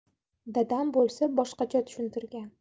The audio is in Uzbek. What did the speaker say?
dadam bo'lsa boshqacha tushuntirgan